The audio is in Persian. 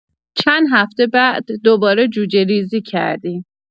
چند هفته بعد دوباره جوجه‌ریزی کردیم.